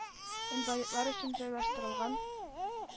Инвалидлар өчен җайлаштырылган